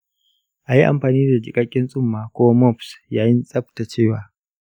a yi amfani da jiƙaƙƙen tsumma ko mops yayin tsaftacewa.